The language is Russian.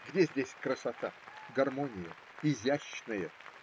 Где здесь красота, гармония, изящное?